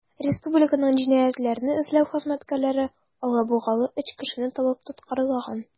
Республиканың җинаятьләрне эзләү хезмәткәрләре алабугалы 3 кешене табып тоткарлаган.